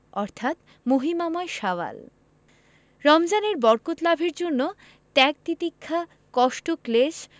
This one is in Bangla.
অর্থাৎ মহিমাময় শাওয়াল রমজানের বরকত লাভের জন্য ত্যাগ তিতিক্ষা কষ্টক্লেশ